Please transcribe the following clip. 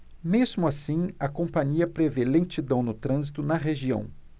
mesmo assim a companhia prevê lentidão no trânsito na região